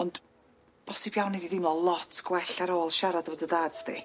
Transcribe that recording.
Ond, bosib iawn nei di deimlo lot gwell ar ôl siarad efo dy dad sdi.